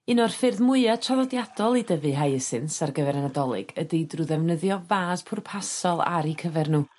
Un o'r ffyrdd mwya traddodiadol i dyfu hyasinths ar gyfer y Nadolig ydi drw ddefnyddio fas pwrpasol ar 'u cyfer n'w.